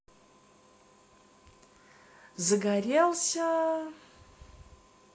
загорелся